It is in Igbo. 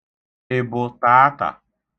Ị bụ taata?